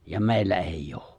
ja meillä ei ole